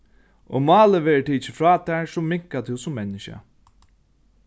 um málið verður tikið frá tær so minkar tú sum menniskja